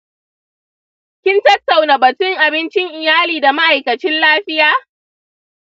kin tattauna batun abincin iyali da ma’aikacin lafiya?